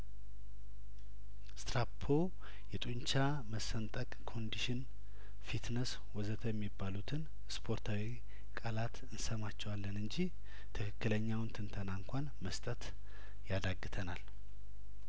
ስትራፖ የጡንቻ መሰንጠቅ ኮንዲሽን ፊትነስ ወዘተ የሚባሉትን ስፖርታዊ ቃላት እንሰማ ቸዋለን እንጂ ትክክለኛውን ትንተና እንኳን መስጠቱ ያዳግተናል